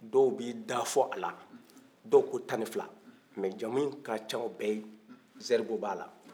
dɔw b'i da fɔ a la dɔw ko tan ani fila mɛ jamuyin ka can o bɛ ye zerbo b'a la